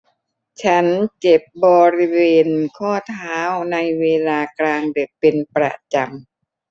ฉันเจ็บบริเวณข้อเท้าในเวลากลางดึกเป็นประจำ